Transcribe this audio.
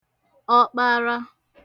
ọkpara